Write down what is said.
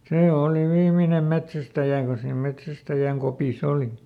se oli viimeinen metsästäjä kun siinä metsästäjän kopissa oli